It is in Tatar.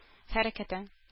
Хәрәкәте